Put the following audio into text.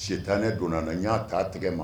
Sitanɛ donna n na n y'a ta a tɛgɛ ma.